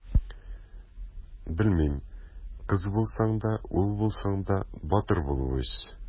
Белмим: кыз булсаң да, ул булсаң да, батыр булып үс!